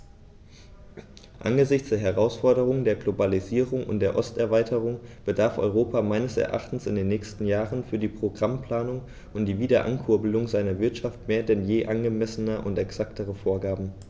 Angesichts der Herausforderung der Globalisierung und der Osterweiterung bedarf Europa meines Erachtens in den nächsten Jahren für die Programmplanung und die Wiederankurbelung seiner Wirtschaft mehr denn je angemessener und exakter Vorgaben.